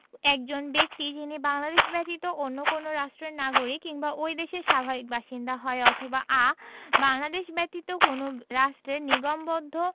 অ একজন ব্যক্তি যিনি বাংলাদেশ ব্যতীত অন্য কোন রাষ্ট্রের নাগরিক কিংবা ঐ দেশের স্বাভাবিক বাসিন্দা হয় অথবা আ বাংলাদেশ ব্যতীত অন্য কোন রাষ্ট্রে নিগমবন্ধ